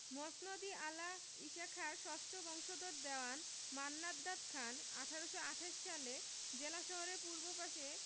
মসনদ ই আলা ঈশাখার ষষ্ঠ বংশধর দেওয়ান মান্নান দাদ খান ১৮২৮ সালে জেলা শহরের পূর্ব পাশে